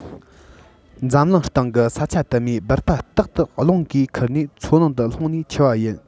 འཛམ གླིང སྟེང གི ས ཆ དུ མའི སྦུར པ རྟག ཏུ རླུང གིས ཁུར ནས མཚོ ནང དུ ལྷུང ནས འཆི བ ཡིན